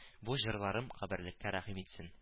Бу җырларым каберлеккә рәхим итсен